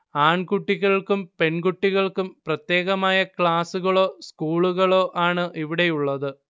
ആൺകുട്ടികൾക്കും പെൺകുട്ടികൾക്കും പ്രത്യേകമായ ക്ലാസുകളോ സ്കൂളുകളോ ആണ് ഇവിടെയുള്ളത്